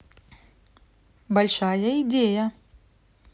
большая идея